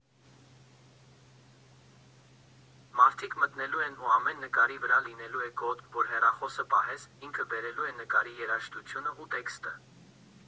Մարդիկ մտնելու են ու ամեն նկարի վրա լինելու է կոդ, որ հեռախոսը պահես, ինքը բերելու է նկարի երաժշտությունը ու տեքստը։